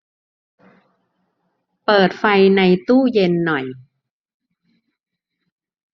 เปิดไฟในตู้เย็นหน่อย